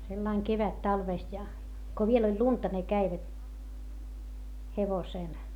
sillä lailla kevättalvesta ja kun vielä oli lunta ne kävivät hevosella